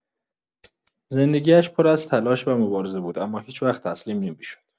زندگی‌اش پر از تلاش و مبارزه بود، اما هیچ‌وقت تسلیم نمی‌شد.